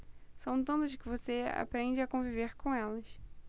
são tantas que você aprende a conviver com elas